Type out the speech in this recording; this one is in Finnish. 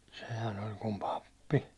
sehän oli kuin pappi